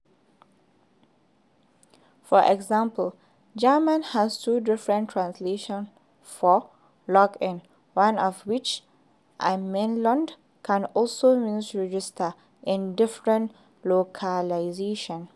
For example, German has two different translations for “Log in,” one of which (anmelden) can also mean “Register” in different localizations.